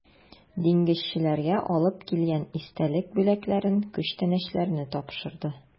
Диңгезчеләргә алып килгән истәлек бүләкләрен, күчтәнәчләрне тапшырды.